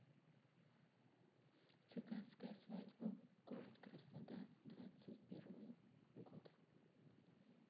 цыганская свадьба город краснодар двадцать первого года